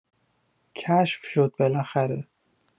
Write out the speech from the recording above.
کشف شد بالاخره